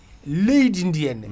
leydidi henna